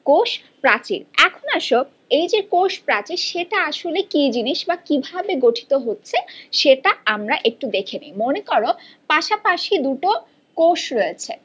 কোষ প্রাচীর এখন আসো এই যে কোষ প্রাচীর সেটা আসলে কি জিনিস বা কিভাবে গঠিত হচ্ছে সেটা আমরা একটু দেখে নিই মনে করো পাশাপাশি দুটো কোষ রয়েছে